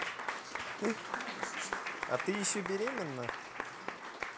а ты еще беременна